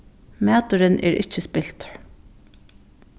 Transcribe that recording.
maturin er ikki spiltur